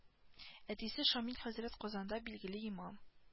Әтисе шамил хәзрәт казанда билгеле имам